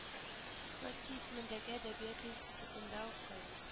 Горький исемендәге әдәбият институтында укый